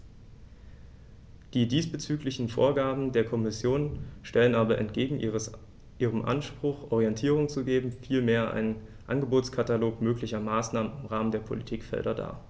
Die diesbezüglichen Vorgaben der Kommission stellen aber entgegen ihrem Anspruch, Orientierung zu geben, vielmehr einen Angebotskatalog möglicher Maßnahmen im Rahmen der Politikfelder dar.